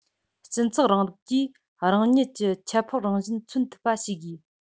སྤྱི ཚོགས རིང ལུགས ཀྱིས རང ཉིད ཀྱི ཁྱད འཕགས རང བཞིན མཚོན ཐུབ པ བྱེད དགོས